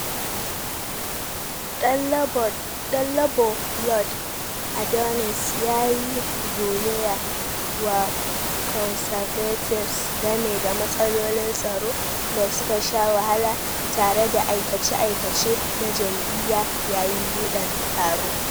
Dan Labor Lord Adonis ya yi zoloya wa Conservatives game da matsalolin tsaro da suka sha wahala tare da aikace-aikace na jam'iyya yayin buɗe taron.